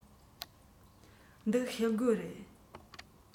འདི ཤེལ སྒོ རེད